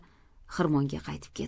so'ngra xirmonga qaytib ketdim